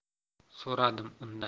so'radim undan